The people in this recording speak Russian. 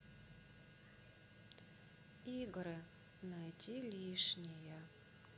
игры найди лишнее